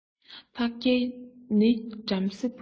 འཕགས རྒྱལ གྱི ནི བྲམ ཟེའི བུ